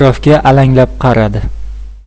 atrofga alanglab qaradi